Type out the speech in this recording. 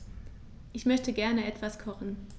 Ich möchte gerne etwas kochen.